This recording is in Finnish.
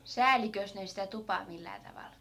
säälikös ne sitä tupaa millään tavalla